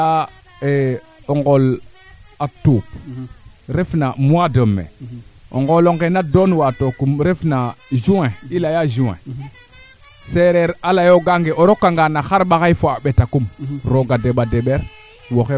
o duufin no ndiing na andoo naye durer fen teɓake ka jigid a areer fa kaaga waaga jeg ta yaqoond yaqoond ne nama saxid ka a araake xana sax kam laŋ ke wala de ngup kena leyel a ŋut manaam manaam a mbooru xa cindoonda xa xe mbot